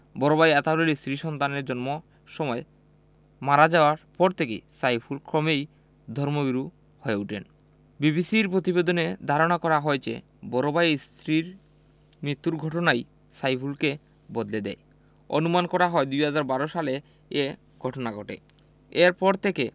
বড় ভাই আতাউলের স্ত্রী সন্তানের জন্ম সময় মারা যাওয়ার পর থেকে সাইফুল ক্রমেই ধর্মভীরু হয়ে ওঠেন বিবিসির প্রতিবেদনে ধারণা করা হয়েছে বড় ভাইয়ের স্ত্রীর মৃত্যুর ঘটনাই সাইফুলকে বদলে দেয় অনুমান করা হয় ২০১২ সালে এ ঘটনা ঘটে এরপর থেকে